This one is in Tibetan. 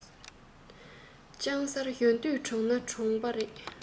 ལྕང གསར གཞོན དུས འདྲོངས ན འདྲོངས པ རེད